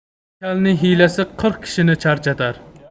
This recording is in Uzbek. bir kalning hiylasi qirq kishini charchatar